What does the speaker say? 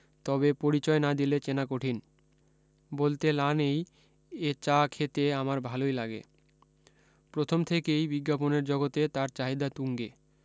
তবে পরিচয় না দিলে চেনা কঠিন বলতে লা নেই এ চা খেতে আমার ভালোই লাগে প্রথম থেকেই বিজ্ঞাপনের জগতে তাঁর চাহিদা তুঙ্গে